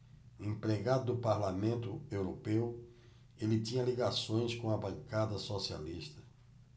empregado do parlamento europeu ele tinha ligações com a bancada socialista